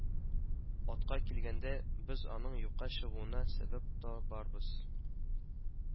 Атка килгәндә, без аның юкка чыгуына сәбәп табарбыз